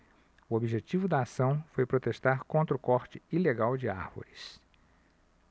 o objetivo da ação foi protestar contra o corte ilegal de árvores